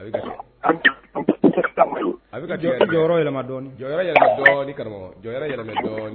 A bɛ karamɔgɔ